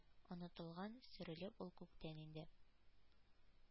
Онытылган. Сөрелеп ул күктән иңде